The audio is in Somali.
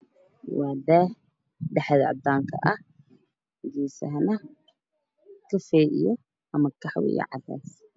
Waa daah dhexda caddaan ka ah geesahana kafeey ah ama qaxwi iyo cadees